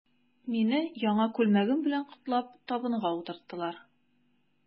Мине, яңа күлмәгем белән котлап, табынга утырттылар.